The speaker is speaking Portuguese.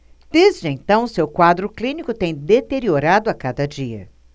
desde então seu quadro clínico tem deteriorado a cada dia